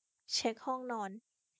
เช็คห้องนอน